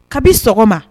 Kabi sɔgɔma